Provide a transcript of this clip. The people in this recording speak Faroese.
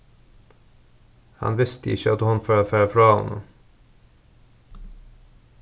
hann visti ikki at hon fór at fara frá honum